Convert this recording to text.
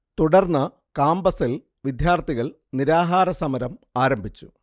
തുടർന്ന് കാമ്പസ്സിൽ വിദ്യാർത്ഥികൾ നിരാഹാരസമരം ആരംഭിച്ചു